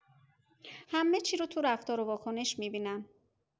همه چی رو تو رفتار و واکنش می‌بینن.